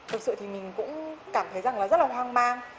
thực sự thì mình cũng cảm thấy rằng là rất là hoang mang